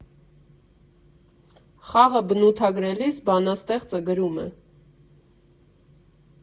Խաղը բնութագրելիս բանաստեղծը գրում է՝ «…